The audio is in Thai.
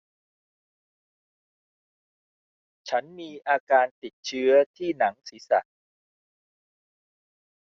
ฉันมีอาการติดเชื้อที่หนังศีรษะ